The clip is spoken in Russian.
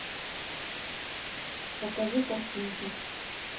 покажи картинки